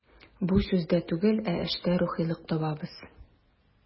Без сүздә түгел, ә эштә рухилык табабыз.